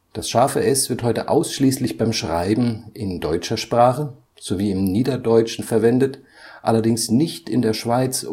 Das ß wird heute ausschließlich beim Schreiben in deutscher Sprache sowie im Niederdeutschen verwendet, allerdings nicht in der Schweiz